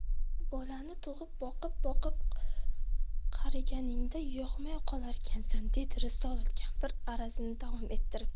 bolani tug'ib boqib boqib qariganingda yoqmay qolarkansan dedi risolat kampir arazini davom ettirib